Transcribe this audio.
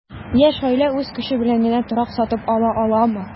Яшь гаилә үз көче белән генә торак сатып ала аламы?